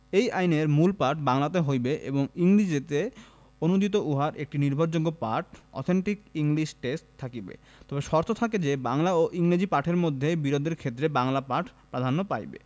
এই আইনের মূল পাঠ বাংলাতে হইবে এবং ইংরেজীতে অনূদিত উহার একটি নির্ভরযোগ্য পাঠ অথেন্টিক ইংলিশ টেক্সট থাকিবে তবে শর্ত থাকে যে বাংলা ও ইংরেজী পাঠের মধ্যে বিরোধের ক্ষেত্রে বাংলা পাঠ প্রাধান্য পাইবে